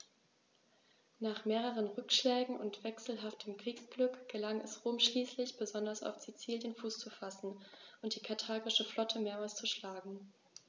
Nach mehreren Rückschlägen und wechselhaftem Kriegsglück gelang es Rom schließlich, besonders auf Sizilien Fuß zu fassen und die karthagische Flotte mehrmals zu schlagen.